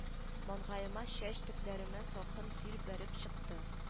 Маңгаема чәч төпләремә салкын тир бәреп чыкты